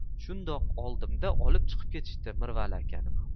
shundoq oldimda olib chiqib ketishdi mirvali akani